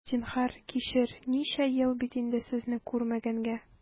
Зинһар, кичер, ничә ел бит инде сезне күрмәгәнгә!